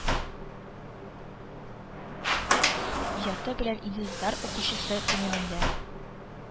Иҗаты белән инде татар укучысы күңелендә